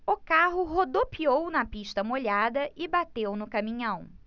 o carro rodopiou na pista molhada e bateu no caminhão